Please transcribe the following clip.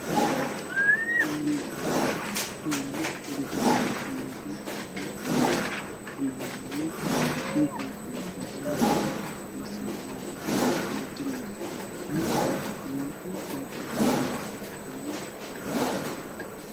Waxaa ii muuqda dabaqyo fara badan kalmadoodu yahay jaallo dahabi waxa ag maraayo nin wata surwaal madow shaaticadaan